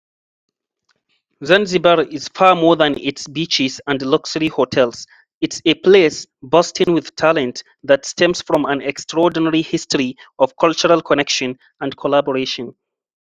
Zanzibar is far more than its beaches and luxury hotels — it’s a place bursting with talent that stems from an extraordinary history of cultural connection and collaboration.